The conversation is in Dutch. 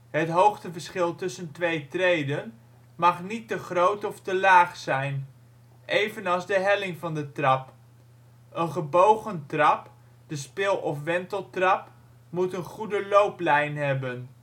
het hoogteverschil tussen twee treden) mag niet te groot of te laag zijn, evenals de helling van de trap. Een gebogen trap (de spil - of wenteltrap) moet een goede looplijn hebben